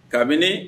Kabini